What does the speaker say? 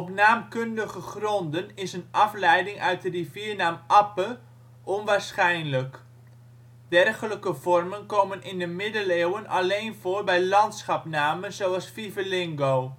naamkundige gronden is een afleiding uit de riviernaam Appe onwaarschijnlijk. Dergelijke vormen komen in de Middeleeuwen alleen voor bij landschapsnamen als Fivelingo